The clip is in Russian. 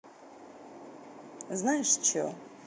знаешь че